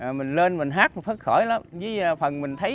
à mình lên mình hát mà phấn khởi lắm với phần mình thấy